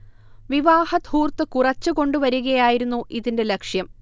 വിവാഹധൂർത്ത് കുറച്ച് കൊണ്ടു വരികയായിരുന്നു ഇതിന്റെ ലക്ഷ്യം